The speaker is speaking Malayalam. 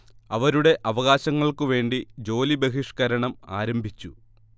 അവരുടെ അവകാശങ്ങൾക്കു വേണ്ടി ജോലി ബഹിഷ്കരണം ആരംഭിച്ചു